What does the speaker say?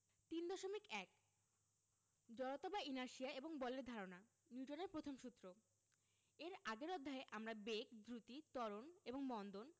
৩.১ জড়তা বা ইনারশিয়া এবং বলের ধারণা নিউটনের প্রথম সূত্র এর আগের অধ্যায়ে আমরা বেগ দ্রুতি ত্বরণ এবং মন্দন